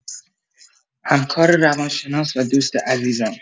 همکار روان‌شناس و دوست عزیزم